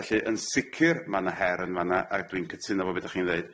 Felly yn sicir ma' na her yn fan'na a dwi'n cytuno efo be' dach chi'n ddeud.